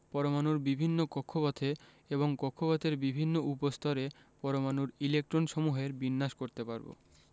পরমাণুর বিভিন্ন কক্ষপথে এবং কক্ষপথের বিভিন্ন উপস্তরে পরমাণুর ইলেকট্রনসমূহকে বিন্যাস করতে পারব